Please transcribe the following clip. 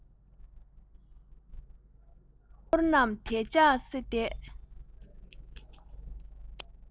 རླངས འཁོར རྣམས དལ འཇགས སེ བསྡད